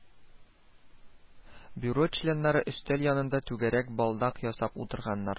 Бюро членнары өстәл янында түгәрәк балдак ясап утырганнар